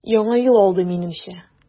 Яңа ел алды, минемчә.